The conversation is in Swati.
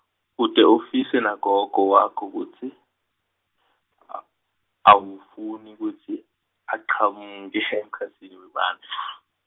ute ufise nagogo wakho kutsi, a- awufuni kutsi achamuke emkhatsini webantfu.